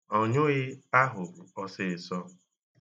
Ọ nyụghi ahụrụ ọsịịsọ.